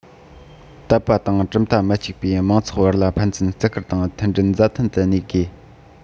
དད པ དང གྲུབ མཐའ མི གཅིག པའི མང ཚོགས བར ལ ཕན ཚུན བརྩི བཀུར དང མཐུན སྒྲིལ མཛའ མཐུན དུ གནས དགོས